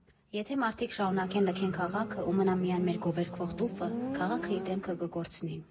Եթե մարդիկ շարունակեն լքեն քաղաքը, ու մնա միայն մեր գովերգվող տուֆը, քաղաքը իր դեմքը կկորցնի։